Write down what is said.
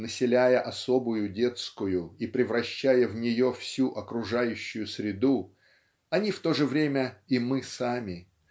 населяя особую детскую и превращая в нее всю окружающую среду они в то же время и мы сами